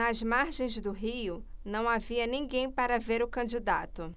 nas margens do rio não havia ninguém para ver o candidato